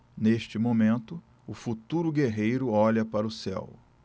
neste momento o futuro guerreiro olha para o céu